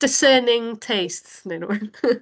Discerning tastes, neu rywbeth.